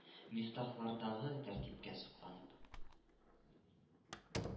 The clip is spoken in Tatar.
Мифтахлардагы тәртипкә сокланып